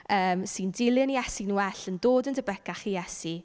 Yym, sy'n dilyn Iesu'n well, yn dod yn debycach i Iesu.